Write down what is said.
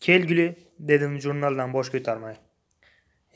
kel guli dedim jurnaldan bosh ko'tarmay